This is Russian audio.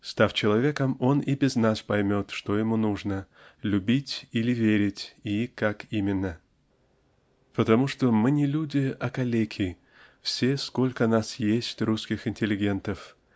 Став человеком, он без нас поймет, что ему нужно любить или верить, и как именно. Потому что мы не люди а калеки все сколько нас есть русских интеллигентов